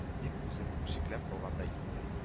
Дип үзен үчекләп алгандай итте